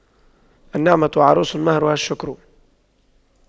النعمة عروس مهرها الشكر